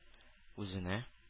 Үзенә